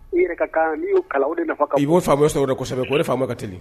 I yɛrɛ ka kan. Ni yo kalan o de fana ka bon kɔsɛbɛ. I be famuyali sɔrɔ kɔsɛbɛ . O de famuya ka telin.